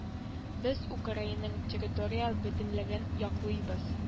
Без украинаның территориаль бөтенлеген яклыйбыз